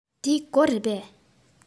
འདི སྒོ རེད པས